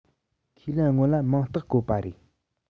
ཁས ལེན སྔོན ལ མིང རྟགས བཀོད པ རེད